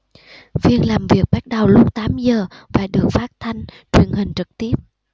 phiên làm việc bắt đầu lúc tám giờ và được phát thanh truyền hình trực tiếp